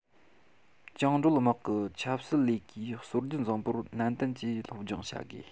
བཅིངས འགྲོལ དམག གི ཆབ སྲིད ལས ཀའི སྲོལ རྒྱུན བཟང པོར ནན ཏན གྱིས སློབ སྦྱོང བྱ དགོས